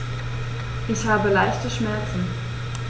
Ich habe leichte Schmerzen.